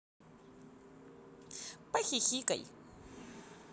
похихикай